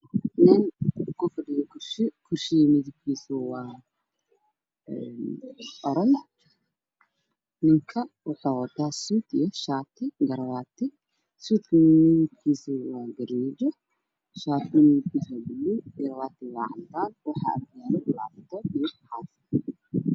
Nin ku fadhiyo kursi kursiga midabkiisa waa orange ninka waxa uu wataa suud iyo shaati garamaati suudka midabkiisu waa garaajo shaatiga midabkiisu waa baluug garamaatiga waa cadaan waxaa agyaalo laabtoob